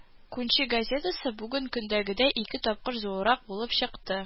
«күнче» газетасы бүген көндәгедәй ике тапкыр зуррак булып чыкты